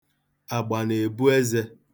Agba na-ebu eze.